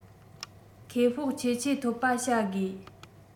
ཁེ སྤོགས ཆེས ཆེ འཐོབ པ བྱ དགོས